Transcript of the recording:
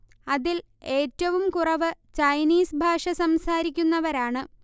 അതിൽ ഏറ്റവും കുറവ് ചൈനീസ് ഭാഷ സംസാരിക്കുന്നവരാണ്